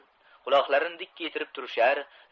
quloqlarini dikkaytirib turishar